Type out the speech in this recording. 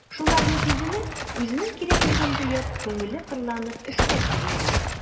Шуларны сизенеп, үзенең кирәклеген тоеп, күңеле кырланып эшләп йөри әле...